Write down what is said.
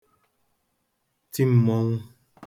ti m̄mọ̄nwụ̄